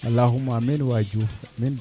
alahouma amiin waay Diouf